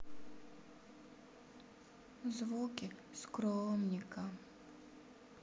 звуки скромника